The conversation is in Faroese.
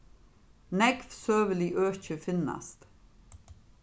nógv søgulig øki finnast